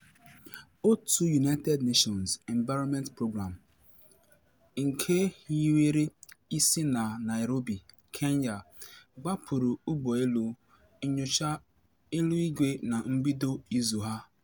Otu United Nations Environment Programme, nke hiwere isi na Nairobi, Kenya, gbapụrụ ụgbọelu nnyocha eluigwe na mbido izu a.